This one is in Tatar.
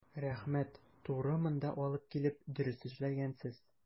Рәхмәт, туры монда алып килеп дөрес эшләгәнсез.